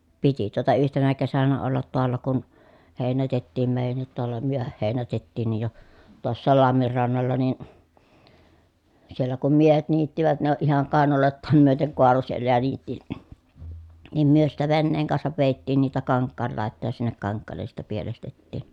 piti tuota yhtenä kesänä olla taalla kun heinätettiin meidänkin taalla myöhään heinätettiinkin jo tuossakin lammin rannalla niin siellä kun miehet niittivät ne oli ihan kainaloitaan myöten kaaloi siellä ja niitti niin me sitten veneen kanssa vedettiin niitä kankaan laitaan ja sinne kankaalle sitten pielestettiin